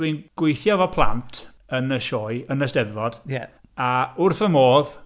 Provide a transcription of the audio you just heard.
Dwi'n gweithio efo plant yn y sioe yn y Steddfod... ie... a wrth fy modd.